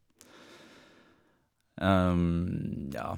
Ja.